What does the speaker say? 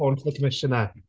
Phone to the commissioner.